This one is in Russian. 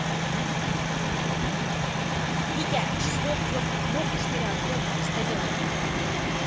витя чеснок вез леху штыря в дом престарелых